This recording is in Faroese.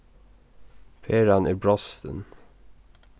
peran er brostin